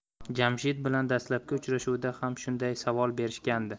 jamshid bilan dastlabki uchrashuvda ham shunday savol berishgandi